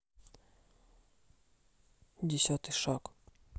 десятый шаг